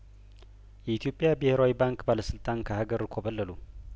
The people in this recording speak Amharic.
የኢትዮጵያ ብሄራዊ ባንክ ባለስልጣን ከሀገር ኮበለሉ